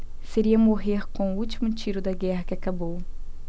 seria morrer com o último tiro da guerra que acabou